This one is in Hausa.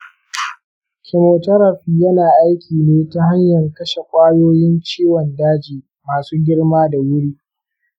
chemotherapy yana aiki ne ta hanyan kashe ƙwayoyin ciwon daji masu girma da wuri.